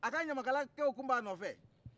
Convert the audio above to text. a ka ɲamakala kɛw tun ba nɔfɛ